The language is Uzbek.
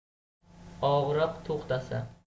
og'riq to'xtasa